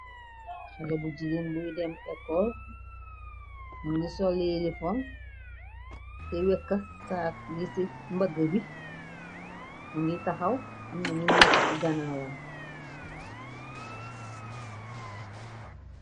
Xale bu jigéen buy dém ecol nu ngi soleelifon te wekka saak bi. Ci mbëgg bi nu ngi taxaw amnañi nekk ci ganaawoon.